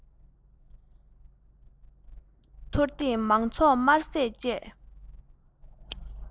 ཕར དེད ཚུར དེད མང ཚོགས དམར ཟས བཅད